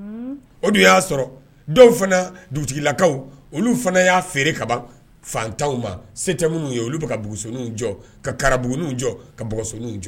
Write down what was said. Unhun. O dun y'a sɔrɔ, dɔw fana, dugutigilakaw olu fana y'a feere ka ban fantanw ma se tɛ minnu ye olu bɛ ka bugusoniw jɔ, ka karabuguniw jɔ, ka bɔgɔsoniw jɔ.